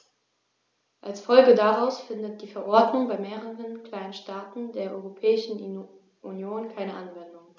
Als Folge daraus findet die Verordnung bei mehreren kleinen Staaten der Europäischen Union keine Anwendung.